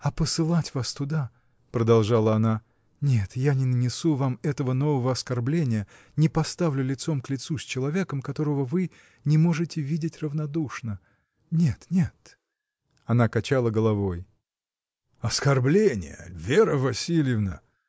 — А посылать вас туда, — продолжала она, — нет, я не нанесу вам этого нового оскорбления, не поставлю лицом к лицу с человеком, которого вы. не можете видеть равнодушно. Нет, нет! Она качала головой. — Оскорбления! Вера Васильевна!.